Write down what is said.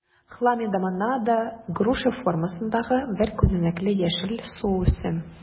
Хламидомонада - груша формасындагы бер күзәнәкле яшел суүсем.